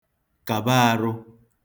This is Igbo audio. kàba ārụ̄